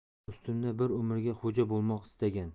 ustimda bir umrga xo'ja bo'lmoq istagan